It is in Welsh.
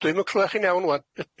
Dwi'm yn clwed chi'n iawn ŵan.